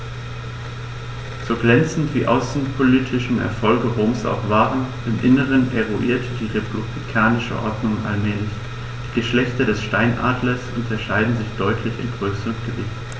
So glänzend die außenpolitischen Erfolge Roms auch waren: Im Inneren erodierte die republikanische Ordnung allmählich. Die Geschlechter des Steinadlers unterscheiden sich deutlich in Größe und Gewicht.